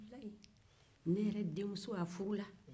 ne yɛrɛ denmuso furula